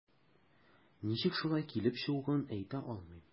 Ничек шулай килеп чыгуын әйтә алмыйм.